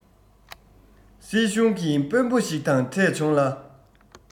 སྲིད གཞུང གི དཔོན པོ ཞིག དང འཕྲད བྱུང ལ